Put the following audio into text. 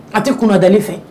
A tɛ kunadali fɛ